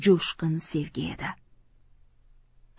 jo'shqin sevgi edi